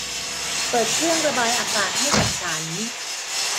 เปิดเครื่องระบายอากาศให้กับฉัน